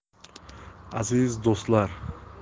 aziz do'stlar